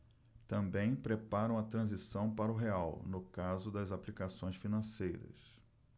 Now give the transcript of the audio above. também preparam a transição para o real no caso das aplicações financeiras